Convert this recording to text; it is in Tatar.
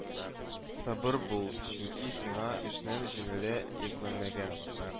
Сабыр бул, чөнки сиңа эшнең җиңеле йөкләнмәгән